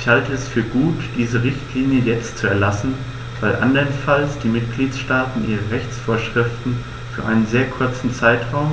Ich halte es für gut, diese Richtlinie jetzt zu erlassen, weil anderenfalls die Mitgliedstaaten ihre Rechtsvorschriften für einen sehr kurzen Zeitraum,